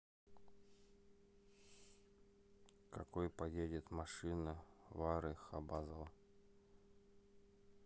какой поедет машина в are хабазова